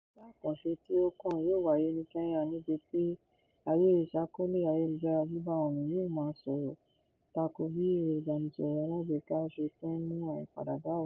Iṣẹ́ àkànṣe tí ó kán yóò wáyé ní Kenya, níbi tí àyè ìṣàkọọ́lẹ̀ ayélujára Global Warming yóò máa sọ̀rọ̀ tako bí ẹ̀rọ ìbánisọ̀rọ̀ alágbèéká ṣe ti ń mú àyípadà bá àwùjọ.